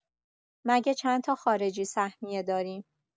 مگه چندتا خارجی سهمیه داریم؟